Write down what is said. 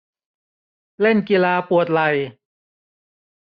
เล่นกีฬาปวดไหล่